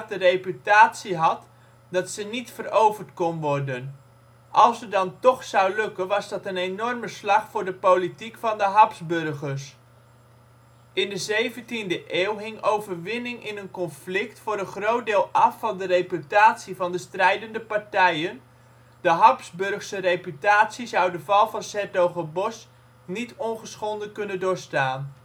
reputatie had, dat ze niet veroverd kon worden. Als het dan toch zou lukken was dat een enorme slag voor de politiek van de Habsburgers. In de 17e eeuw hing overwinning in een conflict voor een groot deel af van de reputatie van de strijdende partijen [bron?]; de Habsburgse reputatie zou de val van ' s-Hertogenbosch niet ongeschonden kunnen doorstaan